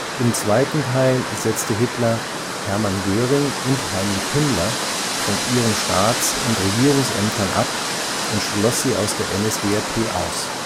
Im zweiten Teil setzte Hitler Hermann Göring und Heinrich Himmler von ihren Staats - und Regierungsämtern ab und schloss sie aus der NSDAP aus